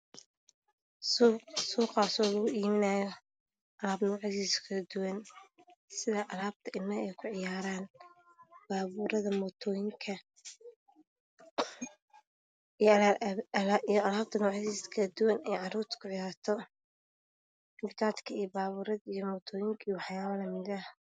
Meeshaan waa suuq lugu iibinaayo alaab kale duwan sida alaabta ilmaha ay kucayaaran, baabuurada mootooyinka iyo alaabo kale duwan oo caruurtu kucayaarto.